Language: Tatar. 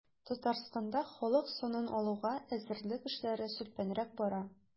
Татарстанда халык санын алуга әзерлек эшләре сүлпәнрәк бара.